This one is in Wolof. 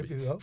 épi waaw